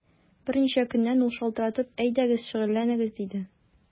Берничә көннән ул шалтыратып: “Әйдәгез, шөгыльләнегез”, диде.